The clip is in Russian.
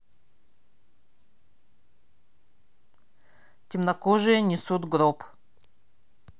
темнокожие несут гроб